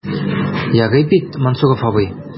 Ярый бит, Мансуров абый?